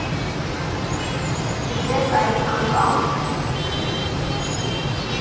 Ես այդքան կա՞մ։